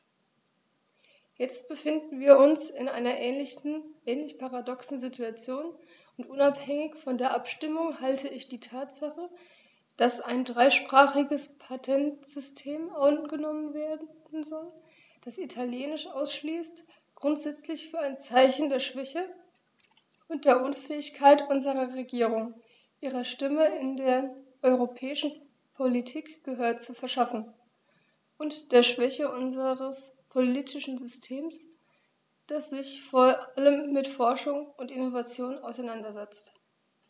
Jetzt befinden wir uns in einer ähnlich paradoxen Situation, und unabhängig von der Abstimmung halte ich die Tatsache, dass ein dreisprachiges Patentsystem angenommen werden soll, das Italienisch ausschließt, grundsätzlich für ein Zeichen der Schwäche und der Unfähigkeit unserer Regierung, ihrer Stimme in der europäischen Politik Gehör zu verschaffen, und der Schwäche unseres politischen Systems, das sich vor allem mit Forschung und Innovation auseinandersetzt.